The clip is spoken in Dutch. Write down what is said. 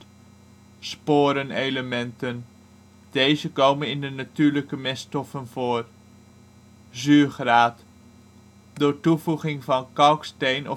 sporenelementen, deze komen in de natuurlijke meststoffen voor, zuurgraad: door toevoegen van kalksteen